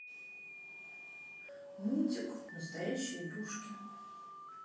мультик настоящие игрушки